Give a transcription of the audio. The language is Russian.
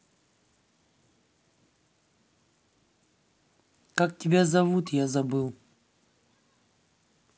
как тебя зовут я забыл